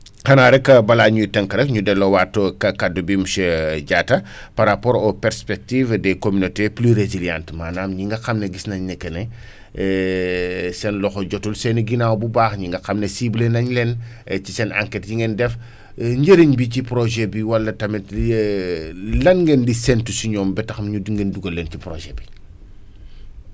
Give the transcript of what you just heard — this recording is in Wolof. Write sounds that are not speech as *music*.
*smacks lips* xanaa rek balaa ñuy tënk rek ñu delloowaat kàddu bi monsieur *hesitation* Diatta *breath* par rapporrt aux perspectives des communautés les plus résilientes maanaam ñi nga xam ne gis nañ ne que ne *breath* *hesitation* seen loxo jotul seen i ginnaaw bu baax ñi nga xam ne ciblé nañ leen *breath* ci seen enquête yi ngeen def *breath* njëriñ bi ci projet bi wala tamit *hesitation* lan ngeen di séntu si ñoom ba tax ñu ngeen dugal leen ci projet bi